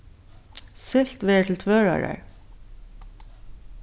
siglt verður til tvøroyrar